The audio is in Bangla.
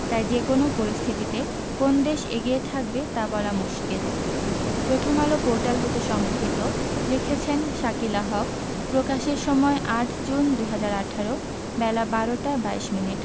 তাই যেকোনো পরিস্থিতিতে কোন দেশ এগিয়ে থাকবে তা বলা মুশকিল প্রথমআলো পোর্টাল হতে সংগৃহীত লিখেছেন শাকিলা হক প্রকাশের সময় ৮জুন ২০১৮ বেলা ১২টা ২২মিনিট